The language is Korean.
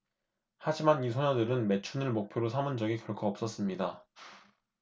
하지만 이 소녀들은 매춘을 목표로 삼은 적이 결코 없었습니다